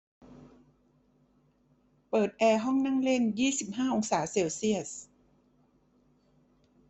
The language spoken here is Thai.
เปิดแอร์ห้องนั่งเล่นยี่สิบห้าองศาเซลเซียส